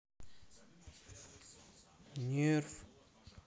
нерв